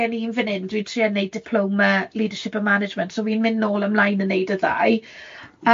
gen i un fan hyn dwi'n trio wneud diploma leadership and management, so fi'n mynd nôl ymlaen yn 'neud y ddau.